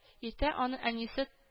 Иртә аны әнисе